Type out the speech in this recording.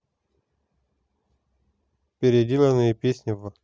переделанные песни в